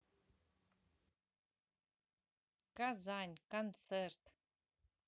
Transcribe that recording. казань концерт